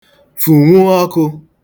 fụ̀nwu ọkụ̄